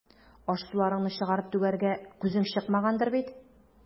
Аш-суларыңны чыгарып түгәргә күзең чыкмагандыр бит.